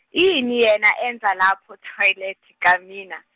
ini yena enza lapho toilet kamina.